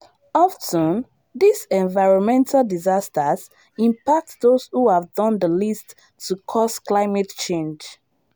Often, these environmental disasters impact those who have done the least to cause climate change.